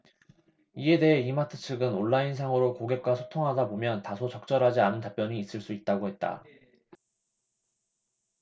이에 대해 이마트 측은 온라인상으로 고객과 소통하다보면 다소 적절하지 않은 답변이 있을 수 있다고 했다